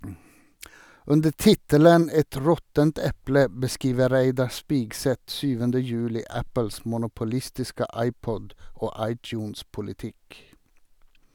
Under tittelen «Et råttent eple» beskriver Reidar Spigseth 7. juli Apples monopolistiske iPod- og iTunes-politikk.